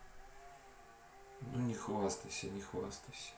ну не хвастайся не хвастайся